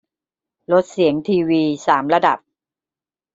ลดเสียงทีวีสามระดับ